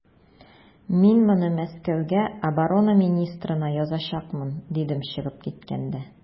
Мин моны Мәскәүгә оборона министрына язачакмын, дидем чыгып киткәндә.